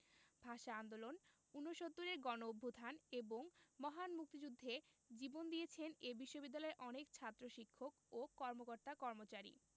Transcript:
ভাষা আন্দোলন উনসত্তুরের গণঅভ্যুত্থান এবং মহান মুক্তিযুদ্ধে জীবন দিয়েছেন এ বিশ্ববিদ্যালয়ের অনেক ছাত্র শিক্ষক ও কর্মকর্তা কর্মচারী